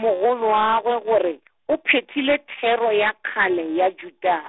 mogolowagwe gore , o phethile thero ya kgale ya Juda-.